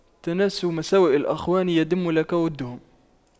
تناس مساوئ الإخوان يدم لك وُدُّهُمْ